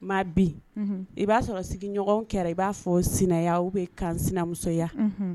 Maa bi i b'a sɔrɔ sigiɲɔgɔn kɛra i b'a fɔ sinaya u bɛ kan sinamusoya